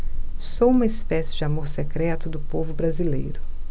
sou uma espécie de amor secreto do povo brasileiro